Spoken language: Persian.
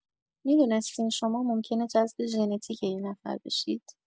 می‌دونستین شما ممکنه جذب ژنتیک یه نفر بشید؟